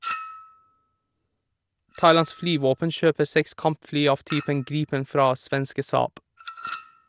Thailands flyvåpen kjøper seks kampfly av typen Gripen fra svenske Saab.